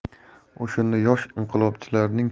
o'shanda yosh inqilobchilarning